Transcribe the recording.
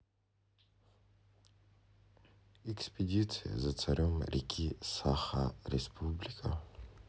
экспедиция за царем реки саха республика